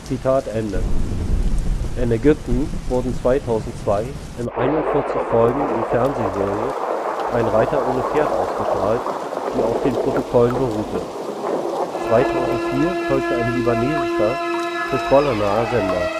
In Ägypten wurde 2002 in 41 Folgen die Fernsehserie „ Ein Reiter ohne Pferd “ausgestrahlt, die auf den Protokollen beruhte; 2004 folgte ein libanesischer, Hisbollah-naher Sender